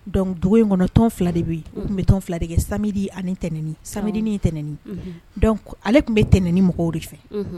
Dɔnku dugu in kɔnɔ tɔn fila de bɛ yen tun bɛ tɔn fila de kɛ sadi ani tɛnɛn saini tɛnɛn ale tun bɛ tɛnɛn ni mɔgɔw de fɛ